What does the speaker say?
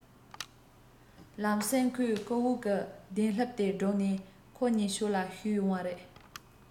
ལམ སེང ཁོའི རྐུབ འོག གི གདན ལྷེབ དེ སྒྲུག ནས ཁོ གཉིས ཕྱོགས ལ ཞུས ཡོང བ རེད